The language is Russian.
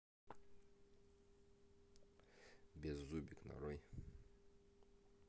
беззубик нарой